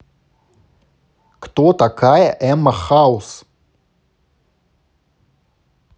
кто такая эмма хаус